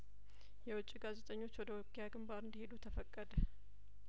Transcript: የውጪ ጋዜጠኞች ወደ ውጊያ ግንባር እንዲ ሄዱ ተፈቀደ